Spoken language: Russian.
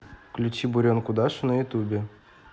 включи буренку дашу на ютубе